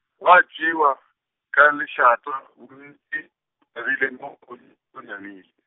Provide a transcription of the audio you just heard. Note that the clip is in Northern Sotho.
gwa tšwewa, ka lešata , ntši, thabile , bo nyamile.